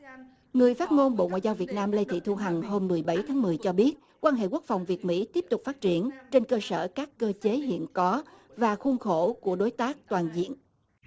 người phát ngôn bộ ngoại giao việt nam lê thị thu hằng hôm mười bảy tháng mười cho biết quan hệ quốc phòng việt mỹ tiếp tục phát triển trên cơ sở các cơ chế hiện có và khuôn khổ của đối tác toàn diện